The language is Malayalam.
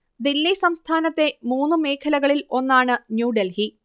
ദില്ലി സംസ്ഥാനത്തെ മൂന്നു മേഖലകളിൽ ഒന്നാണ് ന്യൂ ഡെൽഹി